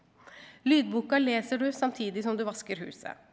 lydboka leser du samtidig som du vasker huset.